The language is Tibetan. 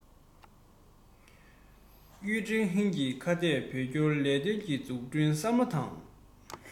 ཡུས ཀྲེང ཧྲེང གིས ཁ གཏད བོད སྐྱོར ལས དོན གྱི མཛུབ ཁྲིད བསམ བློ དང